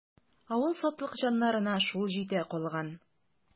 Авыл сатлыкҗаннарына шул җитә калган.